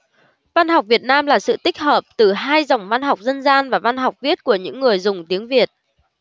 văn học việt nam là sự tích hợp từ hai dòng văn học dân gian và văn học viết của những người dùng tiếng việt